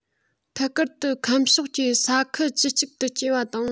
ཐད གར དུ ཁམས ཕྱོགས ཀྱི ས ཁུལ བཅུ གཅིག ཏུ སྐྱེལ བ དང